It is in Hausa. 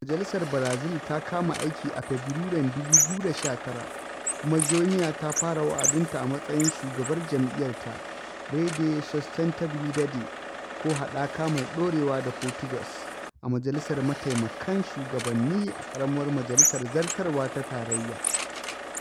Majalisar Barazil ta kama aiki a Fabarairun 2019 kuma Joenia ta fara wa'adinta a matsayin shugabar jam'iyyarta, Rede Sustentabilidade (ko Haɗaka Mai ɗorewa da Portuguese), a majalisar mataimakan shugabanni, a ƙaramar majalisar zartarwa ta tarayya.